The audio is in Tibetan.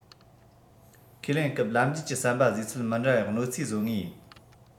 ཁས ལེན སྐབས ལམ རྒྱུད ཀྱི ཟམ པ བཟོས ཚད མི འདྲ བའི གནོད འཚེ བཟོ ངེས ཡིན